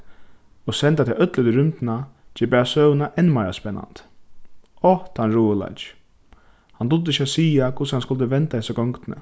og senda tey øll út í rúmdina ger bara søguna enn meira spennandi áh tann ruðuleiki hann dugdi ikki at siga hvussu hann skuldi venda hesi gongdini